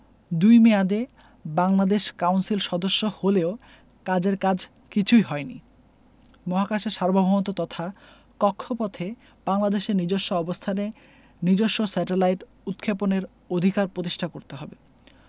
দুই মেয়াদে বাংলাদেশ কাউন্সিল সদস্য হলেও কাজের কাজ কিছুই হয়নি মহাকাশের সার্বভৌমত্ব তথা কক্ষপথে বাংলাদেশের নিজস্ব অবস্থানে নিজস্ব স্যাটেলাইট উৎক্ষেপণের অধিকার প্রতিষ্ঠা করতে হবে